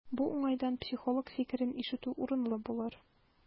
Бу уңайдан психолог фикерен ишетү урынлы булыр.